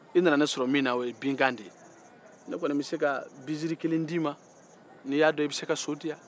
i nana ne sɔrɔ min na o ye bin kan de ye ne kɔni bɛ se ka binsiri kelen d'i man n'i ya ye e bɛ se ka so di yan